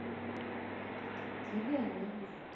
тебя не навижу